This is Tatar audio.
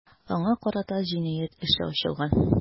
Аңа карата җинаять эше ачылган.